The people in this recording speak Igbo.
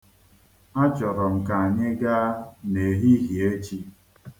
Achọrọ m ka anyị gaa n'ehihie echi.